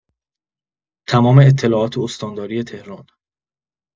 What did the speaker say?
تمام اطلاعات استانداری تهران